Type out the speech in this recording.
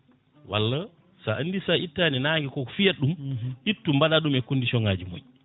walla sa andi sa ittani naague koko fiyata ɗum ittu mbaɗa ɗum e condition aji moƴƴi